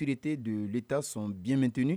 Site donli taa sɔn bimet